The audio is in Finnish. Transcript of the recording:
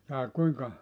jaa kuinka